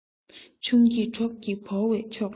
ཆུང སྐྱེས གྲོགས ཀྱིས བོར བའི ཕྱོགས ལ